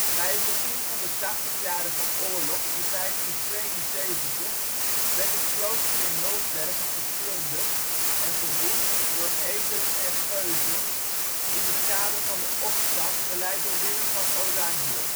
Bij het begin van de Tachtigjarige Oorlog in 1572 werd het klooster in Hulsbergen geplunderd en verwoest door edelen en geuzen in het kader van de opstand geleid door Willem van Oranje